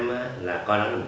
là